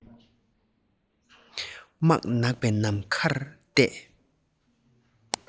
སྨག ནག པའི ནམ མཁར བལྟས